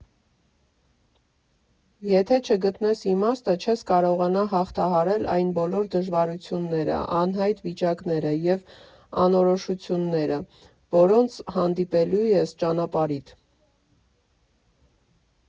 Եթե չգտնես իմաստը, չես կարողանա հաղթահարել այն բոլոր դժվարությունները, անհայտ վիճակները, և անորոշությունները, որոնց հանդիպելու ես ճանապարհիդ։